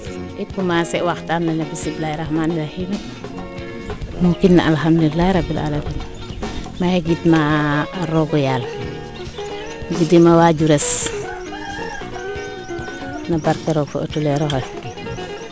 i commencer waxtaan le no bismila rakhmani rakhim muukin no alkhadoulila rabin alamiina maxey gidma a roogo yaal gidim a wajuures no barke rog fo o tuleer oxe